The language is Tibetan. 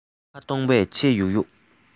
ཁ སྟོང པས ལྕེ ཡུག ཡུག